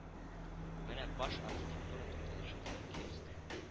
Менә Башархитектура тукталышындагы киоск